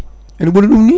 ene ɓuura ɗum ni